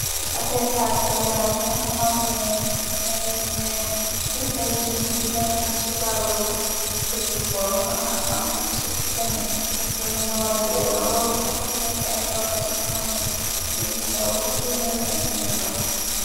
Ci aber tàggal yaram yi nga xamantani ay nit ñuy yil ay tiim di joŋgante ci wàllum lir footbol ba nga xamante ku ci gañe ñu joxra li nga wara y eru wala sax yi ñekk ay dawkat yi nga xamne dañuy daw ba seeni yaram di ñaxa.